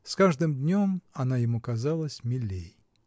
с каждым днем она ему казалась милей.